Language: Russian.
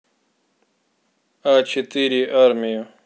а четыре армию